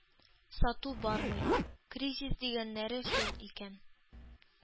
Сату бармый. Кризис дигәннәре шул икән.